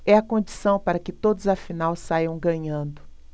é a condição para que todos afinal saiam ganhando